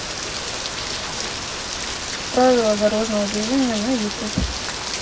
правила дорожного движения на ютуб